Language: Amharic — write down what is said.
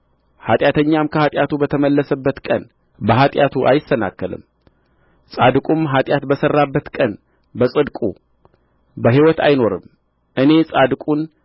ኃጢአተኛም ከኃጢአቱ በተመለሰበት ቀን በኃጢአቱ አይሰናከልም ጻድቁም ኃጢአት በሠራበት ቀን በጽድቁ በሕይወት አይኖርም እኔ ጻድቁን